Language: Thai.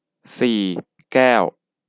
สี่แก้ว